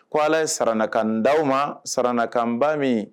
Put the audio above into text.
Ko ale sarakan n da aw ma sarakanba min